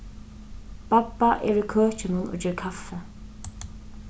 babba er í køkinum og ger kaffi